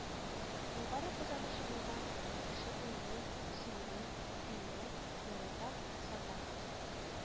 Югары казанышы булган кеше уйлый, сөенә, көенә, ярата, сата,